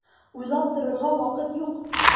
Уйлап торырга вакыт юк!